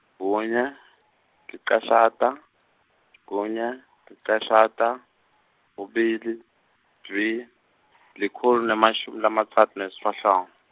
kunye, licashata , kunye, licashata, kubili, dvwi , likhulu nemashum- lamatsatfu nesiphohlong.